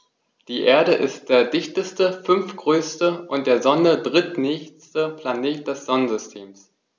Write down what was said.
Die Erde ist der dichteste, fünftgrößte und der Sonne drittnächste Planet des Sonnensystems.